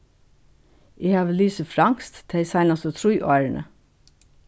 eg havi lisið franskt tey seinastu trý árini